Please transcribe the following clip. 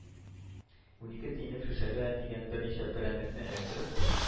Унике тиенлек шешәгә тигән берничә перәннекне эләктереп,